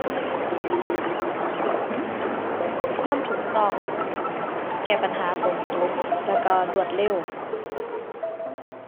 ความถูกต้อง แก้ปัญหาตรงจุด แล้วก็รวดเร็ว